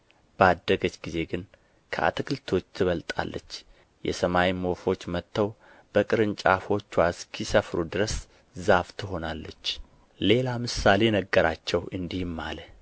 በአደገች ጊዜ ግን ከአታክልቶች ትበልጣለች የሰማይም ወፎች መጥተው በቅርንጫፎችዋ እስኪሰፍሩ ድረስ ዛፍ ትሆናለች ሌላ ምሳሌ ነገራቸው እንዲህም አለ